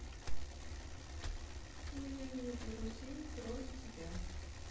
у меня нет друзей кроме тебя